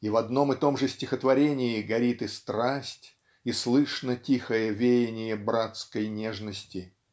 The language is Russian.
и в одном и том же стихотворении горит и страсть и слышно тихое веяние братской нежности